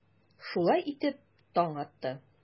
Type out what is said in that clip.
Шулай итеп, таң атты.